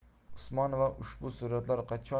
usmonova ushbu suratlar qachon